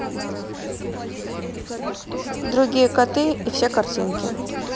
другие кота и все картинки